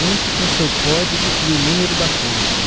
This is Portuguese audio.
entre com o seu código e o número da conta